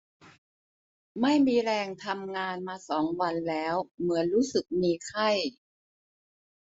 ไม่มีแรงทำงานมาสองวันแล้วเหมือนรู้สึกมีไข้